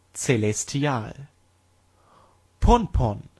Celestial) Pompon